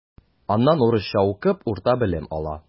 Аннан урысча укып урта белем ала.